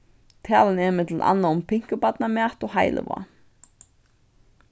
talan er millum annað um pinkubarnamat og heilivág